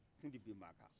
utun ti bin ma kan